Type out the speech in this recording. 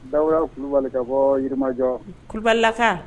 Daya kulubali ka bɔ yirimajɔ kulubalilaka